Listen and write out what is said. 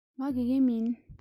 ང དགེ རྒན མིན